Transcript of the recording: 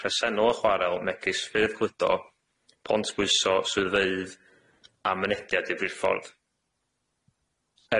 presennol y chwarel megis ffyrdd cludo pontbwyso swyddfeydd a mynediad i'r briffordd.